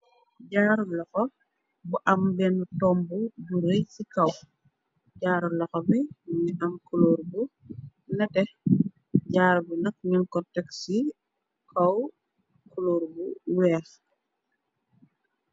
Jaru loxo bu am benna tombú bu rey ci kaw, jaru loxo bi mugii am kulor bu netteh. Jaru bi nak ñing ko tek ci kaw kulor bu wèèx.